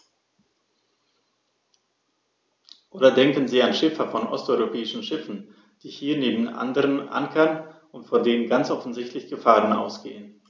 Oder denken Sie an Schiffer von osteuropäischen Schiffen, die hier neben anderen ankern und von denen ganz offensichtlich Gefahren ausgehen.